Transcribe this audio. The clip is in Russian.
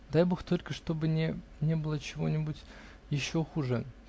-- Дай Бог только, чтобы не было чего-нибудь еще хуже".